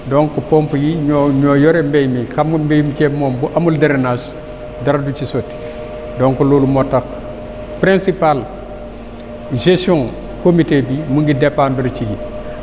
donc pompes yii ñoo ñoo yore mbéy mi xam nga mbéyum ceeb moom bu amul drainage dara du ci sotti donc loolu moo tax principal gestion comité bi mu ngi dépendre ci lii